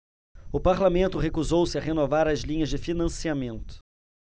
o parlamento recusou-se a renovar as linhas de financiamento